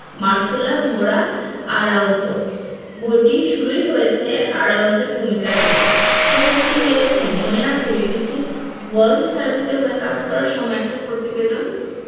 Marcela Mora Araujo বইটি শুরুই হয়েছে আরাউজোর ভূমিকা দিয়ে সেখানে তিনি লিখেছেন মনে আছে বিবিসি ওয়ার্ল্ড সার্ভিসের হয়ে কাজ করার সময় একটা প্রতিবেদন